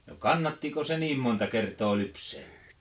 no kannattiko se niin monta kertaa lypsää